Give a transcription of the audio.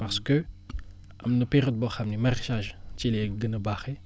parce que am na période boo xam ne maraîchage ci lay gën a baaxee